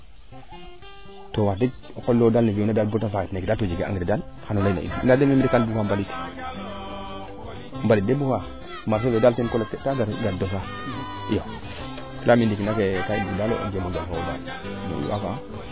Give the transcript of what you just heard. to wax deg o qol lewo neete fina neeke bata faxit neeke to jege engrais daal xano leyna in im leya denen mi de kam bufa mbalit mbalit de im bufaa marse fee daal ten colecte a gar dosa te leyaame ndiiki nak ka i mbug daal njemo njal fo wo daal mee iyo a faaxa